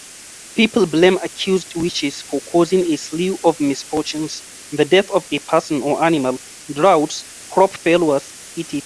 People blame accused witches for causing a slew of misfortunes: the death of a person or animal, droughts, crop failures, etc.